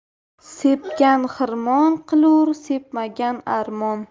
sepgan xirmon qilur sepmagan armon